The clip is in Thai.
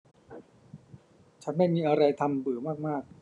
ฉันไม่มีอะไรทำเบื่อมากมาก